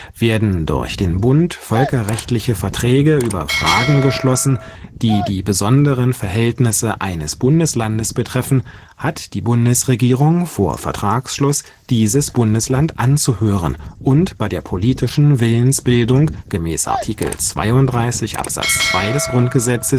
Werden durch den Bund völkerrechtliche Verträge über Fragen geschlossen, die die besonderen Verhältnisse eines Landes betreffen, hat die Bundesregierung vor Vertragsschluss dieses Land anzuhören und bei der politischen Willensbildung zu beteiligen (Art. 32 Absatz 2 GG